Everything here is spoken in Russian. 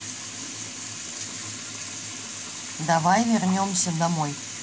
давай вернемся домой